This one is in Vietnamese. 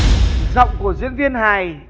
giọng của diễn viên hài